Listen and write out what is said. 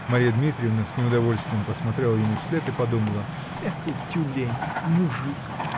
Марья Дмитриевна с неудовольствием посмотрела ему вслед и подумала: "Экой тюлень, мужик!